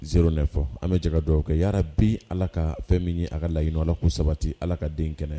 Zo ne fɔ an bɛ ja dɔw kɛ' bi ala ka fɛn min ye a ka laɲinian kun sabati ala ka den kɛnɛ ye